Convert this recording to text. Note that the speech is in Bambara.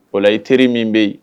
O la i teri min be yen